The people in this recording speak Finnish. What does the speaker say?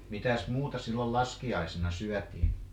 mitäs muuta silloin laskiaisena syötiin